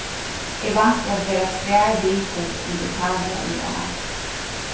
eg vænti at vera tvær vikur í italia í ár